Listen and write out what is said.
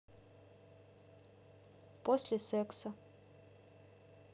после секса